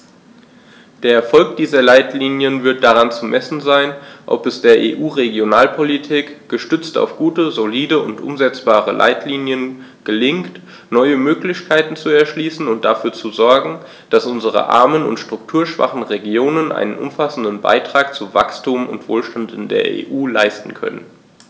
Der Erfolg dieser Leitlinien wird daran zu messen sein, ob es der EU-Regionalpolitik, gestützt auf gute, solide und umsetzbare Leitlinien, gelingt, neue Möglichkeiten zu erschließen und dafür zu sorgen, dass unsere armen und strukturschwachen Regionen einen umfassenden Beitrag zu Wachstum und Wohlstand in der EU leisten können.